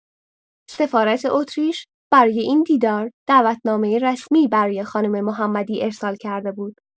سفارت اتریش برای این دیدار دعوتنامه رسمی برای خانم محمدی ارسال کرده بود.